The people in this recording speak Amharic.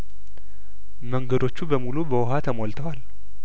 መንገዶቹ በሙሉ በውሀ ተሞልተዋል